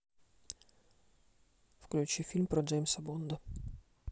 включи фильм про джеймса бонда